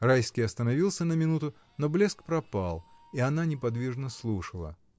Райский остановился на минуту, но блеск пропал, и она неподвижно слушала.